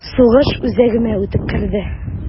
Сугыш үзәгемә үтеп керде...